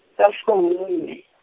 cell founu mme.